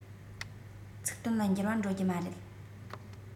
ཚིག དོན ལ འགྱུར བ འགྲོ རྒྱུ མ རེད